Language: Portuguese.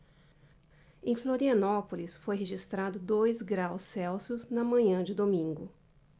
em florianópolis foi registrado dois graus celsius na manhã de domingo